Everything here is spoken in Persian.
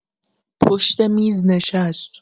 پشت میز نشست.